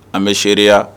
An bɛ seereya